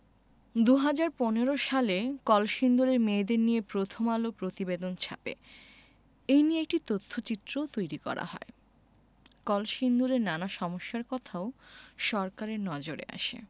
২০১৫ সালে কলসিন্দুরের মেয়েদের নিয়ে প্রথম আলো প্রতিবেদন ছাপে এ নিয়ে একটি তথ্যচিত্রও তৈরি করা হয় কলসিন্দুরের নানা সমস্যার কথাও সরকারের নজরে আসে